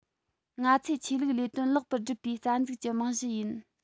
ང ཚོས ཆོས ལུགས ལས དོན ལེགས པར སྒྲུབ པའི རྩ འཛུགས ཀྱི རྨང གཞི ཡིན